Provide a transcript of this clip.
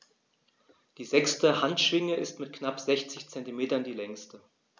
Die sechste Handschwinge ist mit knapp 60 cm die längste.